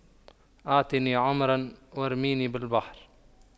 اعطني عمرا وارميني بالبحر